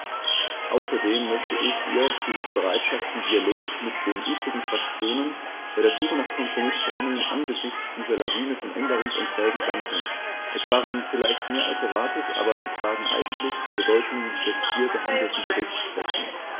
Außerdem möchte ich ihr für ihre Bereitschaft zum Dialog mit den übrigen Fraktionen bei der Suche nach Kompromißformeln angesichts dieser Lawine von Änderungsanträgen danken; es waren vielleicht mehr als erwartet, aber sie tragen eigentlich der Bedeutung des hier behandelten Berichts Rechnung.